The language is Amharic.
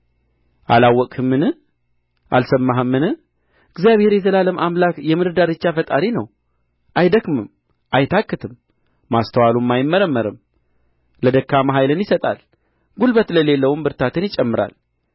አላወቅህምን አልሰማህምን እግዚአብሔር የዘላለም አምላክ የምድርም ዳርቻ ፈጣሪ ነው አይደክምም አይታክትም ማስተዋሉም አይመረመርም ለደካማ ኃይልን ይሰጣል ጕልበት ለሌለውም ብርታትን ይጨምራል